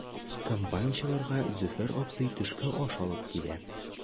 Комбайнчыларга Зөфәр абзый төшке аш алып килә.